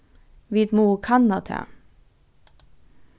vit mugu kanna tað